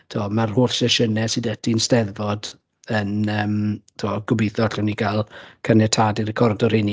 Timod ma'r holl sesiynau sy 'da ti'n steddfod yn ymm tibod gobeitho allwn ni gael caniatâd i recordo rheini.